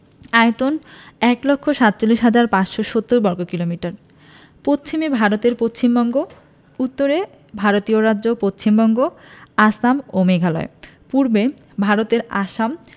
আয়তন ১লক্ষ ৪৭হাজার ৫৭০বর্গকিলোমিটার পশ্চিমে ভারতের পশ্চিমবঙ্গ উত্তরে ভারতীয় রাজ্য পশ্চিমবঙ্গ আসাম ও মেঘালয় পূর্বে ভারতের আসাম